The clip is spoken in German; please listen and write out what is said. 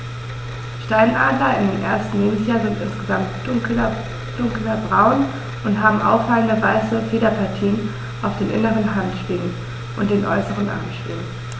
Steinadler im ersten Lebensjahr sind insgesamt dunkler braun und haben auffallende, weiße Federpartien auf den inneren Handschwingen und den äußeren Armschwingen.